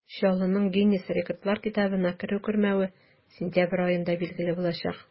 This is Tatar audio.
Чаллының Гиннес рекордлар китабына керү-кермәве сентябрь аенда билгеле булачак.